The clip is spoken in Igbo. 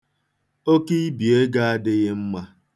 Oke ibi ego adịghị mma.